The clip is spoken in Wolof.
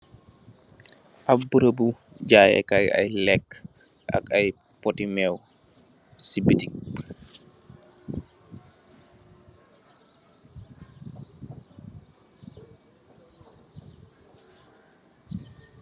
Ap barabu jayèh Kai ay lekka ak ay pôtti meew ci bitik.